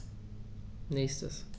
Nächstes.